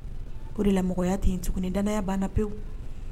Ko delamɔgɔya tɛ in tuguni dayabana pewu